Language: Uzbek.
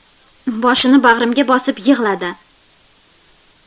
boshini bag'rimga bosib yig'ladi